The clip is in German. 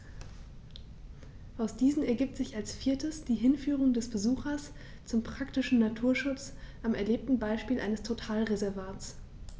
Aus diesen ergibt sich als viertes die Hinführung des Besuchers zum praktischen Naturschutz am erlebten Beispiel eines Totalreservats.